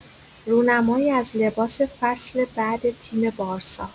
رونمایی از لباس فصل بعد تیم بارسا